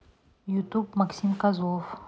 ютуб максим козлов